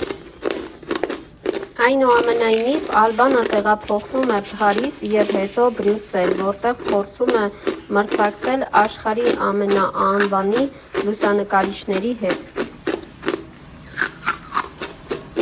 Այնուամենայնիվ, Ալբանը տեղափոխվում է Փարիզ և հետո Բրյուսել, որտեղ փորձում է մրցակցել աշխարհի ամենաանվանի լուսանկարիչների հետ։